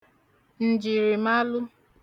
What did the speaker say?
ǹjìrìmalu